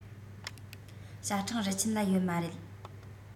ཞ ཁྲེང རུ ཆེན ལ ཡོད མ རེད